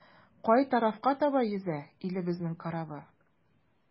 Кай тарафка таба йөзә илебезнең корабы?